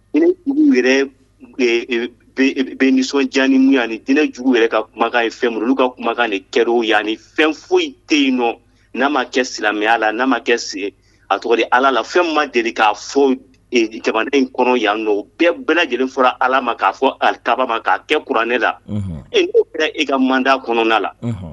Yɛrɛ nisɔndiyaani yanani jinɛinɛjugu yɛrɛ ka kumakan ye fɛn olu ka kumakan ni kɛro yanani fɛn foyi tɛ yen nɔ n'a ma kɛ silamɛya la n'a ma kɛ sigi a tɔgɔ ala la fɛn ma deli k'a fɔ jamana in kɔnɔ yan n o bɛɛ bɛ lajɛlen fɔra ala ma k'a fɔ a kababa ma k'a kɛ kuranɛ la e e ka man kɔnɔna la